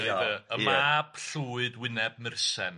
'Y mab llwyd wyneb mursen'